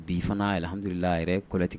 Bi fana hamdulila yɛrɛlɛtigɛ